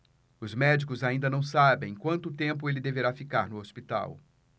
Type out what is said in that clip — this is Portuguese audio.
os médicos ainda não sabem quanto tempo ele deverá ficar no hospital